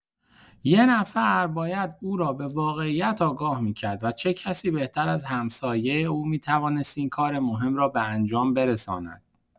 یک نفر باید او را به واقعیت آگاه می‌کرد و چه کسی بهتر از همسایه او می‌توانست این کار مهم را به انجام برساند.